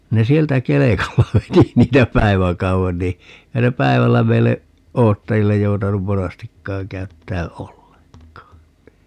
ne sieltä kelkalla veti niitä päiväkauden niin eihän se päivällä meille odottajille joutanut monastikaan käyttää ollenkaan niin